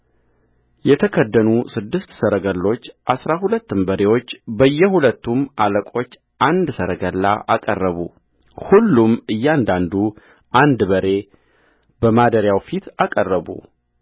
የተከደኑ ስድስት ሰረገሎች አሥራ ሁለትም በሬዎች በየሁለቱም አለቆች አንድ ሰረገላ አቀረቡ ሁሉም እያንዳንዱ አንድ በሬ በማደሪያው ፊት አቀረቡ